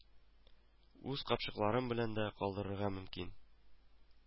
Үз капчыкларың белән дә калдырырга мөмкин